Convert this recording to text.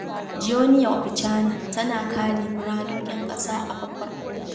Joenia Wapichana tana kare muradun 'yan ƙasa a Babbar Kotu.